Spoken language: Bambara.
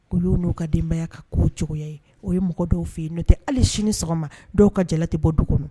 Olu n'u ka denbaya ka ko cogoya ye, o ye mɔgɔ dɔw fɛ yen. N'o tɛ hali sini sɔgɔma dɔw ka jala tɛ bɔ du kɔnɔ.